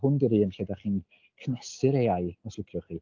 Hwn 'di'r un lle da chi'n cynhesu'r AI os liciwch chi.